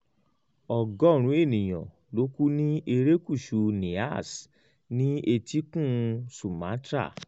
Ọgọ́rùn-ún ènìyàn ló kú ni erékùṣù Nias, ní etíkun Sumatra.